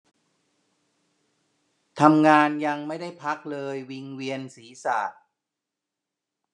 ทำงานยังไม่ได้พักเลยวิงเวียนศีรษะ